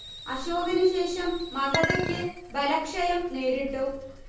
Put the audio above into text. അശോകനുശേഷം മഗധയ്ക്ക് ബലക്ഷയം നേരിട്ടു